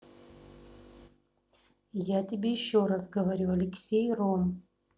я тебе еще раз говорю алексей ром